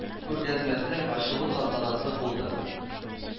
Күргәзмәсе ачылу тантанасы булды